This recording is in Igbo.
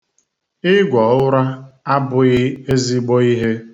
Ịgwọ ụra abụghị ezigbo ihe.